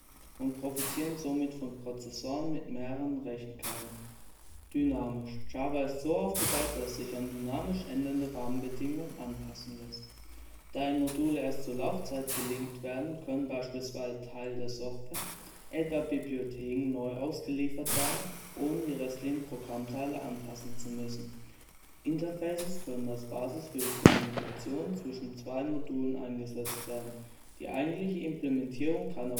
profitieren somit von Prozessoren mit mehreren Rechenkernen. Dynamisch Java ist so aufgebaut, dass es sich an dynamisch ändernde Rahmenbedingungen anpassen lässt. Da die Module erst zur Laufzeit gelinkt werden, können beispielsweise Teile der Software (etwa Bibliotheken) neu ausgeliefert werden, ohne die restlichen Programmteile anpassen zu müssen. Interfaces können als Basis für die Kommunikation zwischen zwei Modulen eingesetzt werden, die eigentliche Implementierung kann